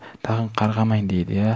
tag'in qarg'amang deydi ya